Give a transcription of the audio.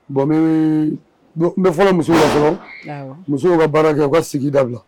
Bon n bee bon n bɛ fɔlɔ musow la fɔlɔ awɔ musow ka baara kɛ u ka sigi dabila